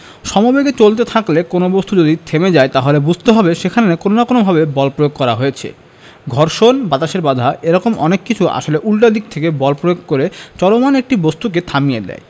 সমবেগে চলতে থাকা কোনো বস্তু যদি থেমে যায় তাহলে বুঝতে হবে সেখানে কোনো না কোনোভাবে বল প্রয়োগ করা হয়েছে ঘর্ষণ বাতাসের বাধা এ রকম অনেক কিছু আসলে উল্টো দিক থেকে বল প্রয়োগ করে চলমান একটা বস্তুকে থামিয়ে দেয়